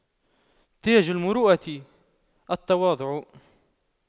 تاج المروءة التواضع